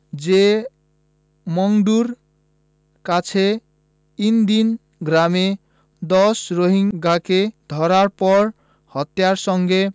যে মংডুর কাছে ইনদিন গ্রামে ১০ রোহিঙ্গাকে ধরার পর হত্যার সঙ্গে